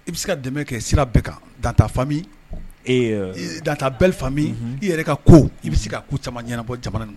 I bɛ se ka dɛmɛ kɛ sira bɛɛ kan dans ta famille, eh, dans ta belle famille i yɛrɛ ka ko,i bɛ se ka ko caaman ɲɛnabɔ jamana